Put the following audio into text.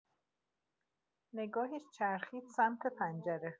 نگاهش چرخید سمت پنجره.